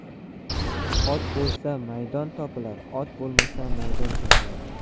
ot bo'lsa maydon topilar ot bo'lmasa maydon chopilar